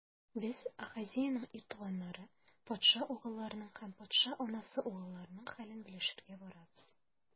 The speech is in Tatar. Без - Ахазеянең ир туганнары, патша угылларының һәм патша анасы угылларының хәлен белешергә барабыз.